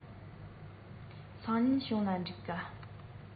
སང ཉིན བྱུང ན འགྲིག ག